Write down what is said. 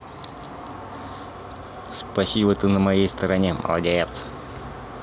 спасибо ты на моей стороне молодец